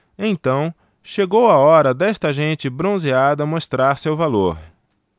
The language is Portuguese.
então chegou a hora desta gente bronzeada mostrar seu valor